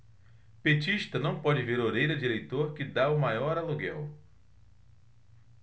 petista não pode ver orelha de eleitor que tá o maior aluguel